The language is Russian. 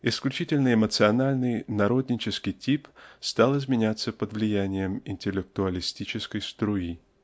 исключительно эмоциональный народнический тип стал изменяться под влиянием интеллектуалистической струи.